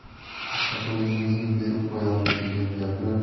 mustaqilligimizni berib qo'yamiz degan